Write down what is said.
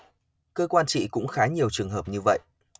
cơ quan chị cũng khá nhiều trường hợp như vậy